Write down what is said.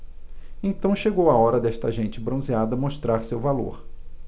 então chegou a hora desta gente bronzeada mostrar seu valor